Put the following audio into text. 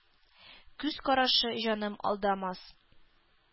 Күз карашы, җаным, алдамас.